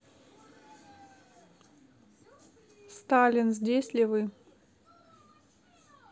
сталин здесь ли вы